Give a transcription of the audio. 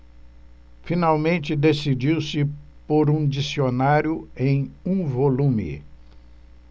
finalmente decidiu-se por um dicionário em um volume